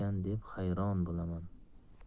deb hayron bo'laman